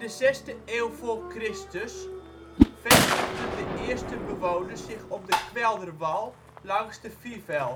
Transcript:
zesde eeuw voor Chr. vestigden de eerste bewoners zich op de kwelderwal langs de Fivel